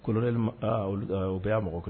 Kolon u bɛ y'a mɔgɔ kɛ